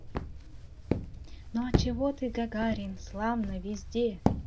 ну а чего ты гагарин славно везде